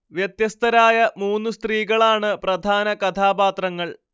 വ്യത്യസ്തരായ മൂന്ന് സ്ത്രീകളാണ് പ്രധാന കഥാപാത്രങ്ങൾ